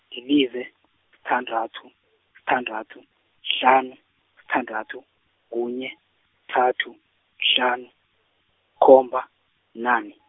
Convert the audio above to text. lilize, sithandathu, sithandathu, kuhlanu, sithandathu, kunye, kuthathu, kuhlanu, khomba, bunane.